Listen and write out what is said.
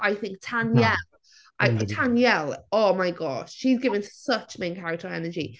I think Tanyel... ...Tanyel oh my gosh she's giving such main character energy.